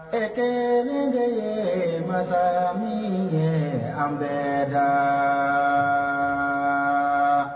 Ɛ kelen tile ye mamini anan bɛ la